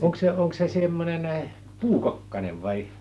onkos se onkos se semmoinen puukokkanen vai